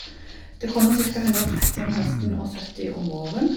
Det kommer cirka hundre og tretti om høsten og sytti om våren.